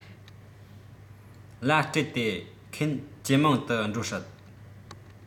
ལ སྤྲད དེ མཁན ཇེ མང དུ འགྲོ སྲིད